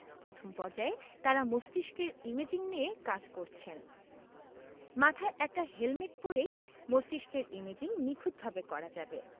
প্রথম পর্যায়ে তারা মস্তিষ্কের ইমেজিং নিয়ে কাজ করছেন মাথায় একটা হেলমেট পরেই মস্তিষ্কের ইমেজিং নিখুঁতভাবে করা যাবে